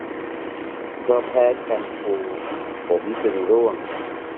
เพราะแพ้แชมพูผมจึงร่วง